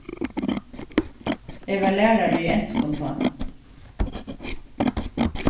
eg var lærari í enskum tá